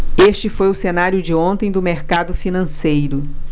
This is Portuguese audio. este foi o cenário de ontem do mercado financeiro